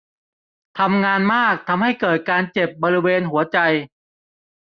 ทำงานมากทำให้เกิดการเจ็บบริเวณหัวใจ